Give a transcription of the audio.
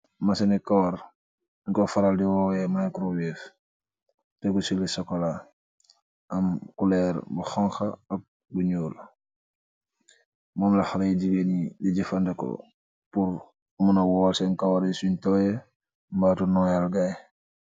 Machini kawarr, mom la xaleyi gigeen di dijafandiku di wawal leh sèèn karaw yi bu toyeh and diko noyaleh kawar.